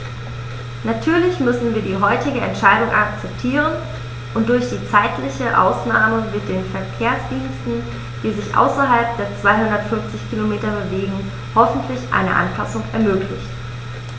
Natürlich müssen wir die heutige Entscheidung akzeptieren, und durch die zeitliche Ausnahme wird den Verkehrsdiensten, die sich außerhalb der 250 Kilometer bewegen, hoffentlich eine Anpassung ermöglicht.